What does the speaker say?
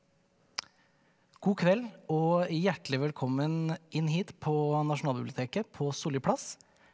god kveld og hjertelig velkommen inn hit på Nasjonalbiblioteket på Solli plass.